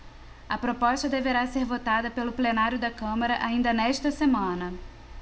a proposta deverá ser votada pelo plenário da câmara ainda nesta semana